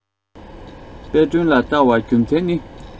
དཔལ སྒྲོན ལ བལྟ བར རྒྱུ མཚན ནི